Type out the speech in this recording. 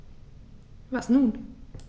Was nun?